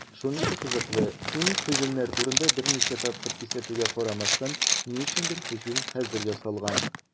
Шунысы кызыклы, химик һөҗүмнәр турында берничә тапкыр кисәтүгә карамастан, ни өчендер һөҗүм хәзер ясалган.